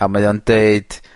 A mae o'n deud